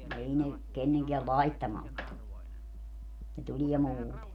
ei ne kenenkään laittamalta tule ne tulee muuten